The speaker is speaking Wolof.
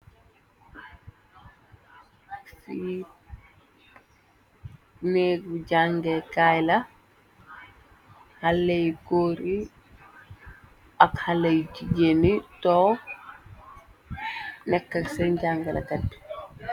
Fi neek jagaikaay la, xale goor yi ak xale jigeen yi tog nekal ak sen jagalkat bi.